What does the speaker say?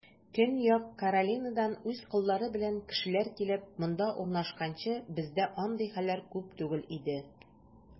Көньяк Каролинадан үз коллары белән кешеләр килеп, монда урнашканчы, бездә андый хәлләр күп түгел иде.